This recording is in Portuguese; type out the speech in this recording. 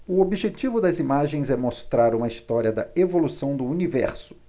o objetivo das imagens é mostrar uma história da evolução do universo